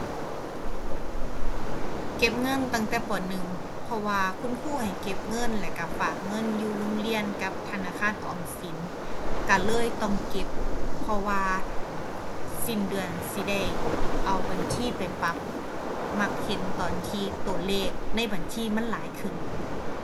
เก็บเงินตั้งแต่ ป. หนึ่ง เพราะว่าคุณครูให้เก็บเงินแล้วก็ฝากเงินอยู่โรงเรียนกับธนาคารออมสิน ก็เลยต้องเก็บ เพราะว่าสิ้นเดือนสิได้เอาบัญชีไปปรับ มักเห็นตอนที่ก็เลขในบัญชีมันหลายขึ้น